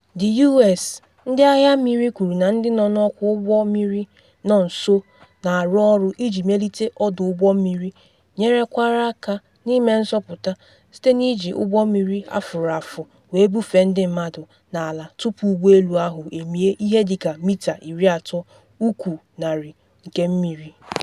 The U.S. Ndị agha mmiri kwuru na ndị na ọkwọ ụgbọ mmiri nọ nso na arụ ọrụ iji melite ọdụ ụgbọ mmiri nyerekwara aka na ịme nzọpụta site na iji ụgbọ mmiri afụrụafụ wee bufee ndị mmadụ n’ala tupu ụgbọ elu ahụ emie ihe dị ka mita 30 (ụkwụ 100) nke mmiri.